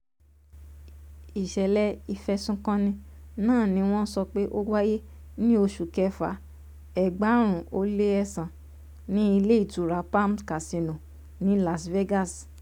Ìṣẹ̀lẹ̀ ìfẹ́sùnkanni náà ní wọ́n sọ pé ó wáyé ní ọṣù kẹfà 2009 ní Ilé ìtura Palms àt Casino ni Las Vegas.